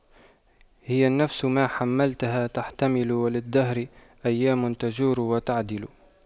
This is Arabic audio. هي النفس ما حَمَّلْتَها تتحمل وللدهر أيام تجور وتَعْدِلُ